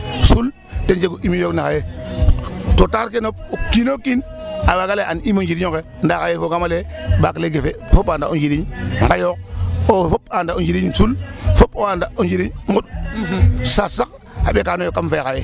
Ful ten jegu émission ne xaye to taxar kene fop o kiin o kiin a waaga lay ee andiim o njiriñ onqe ndqa xaye foogaam ale ɓaak le gefe fop a anda o njiriñ nqayoox oxe fop a anda o njiriñun fop a anda o njiriñ nquɗ saas sax a ɓekanoyo kam fe xaye .